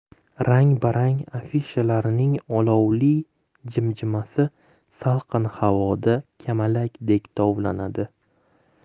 rang barang afishalarning olovli jim jimasi salqin havoda kamalakdek tovlanadi